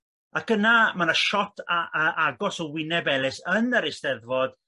ac yna ma' 'na siot a- agos o wyneb Elis yn yr Eisteddfod